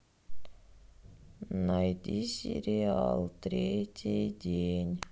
найди сериал третий день